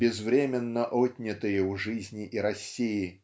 безвременно отнятые у жизни и России.